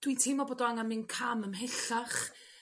dwi'n teimlo bod o angan mynd cam ymhellach